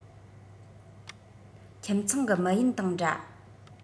ཁྱིམ ཚང གི མི ཡིན དང འདྲ